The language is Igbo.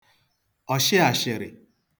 ọ̀shịàshị̀rị̀